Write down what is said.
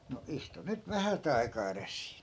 no istu nyt vähät aikaa edes siinä